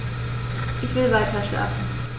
Ich will weiterschlafen.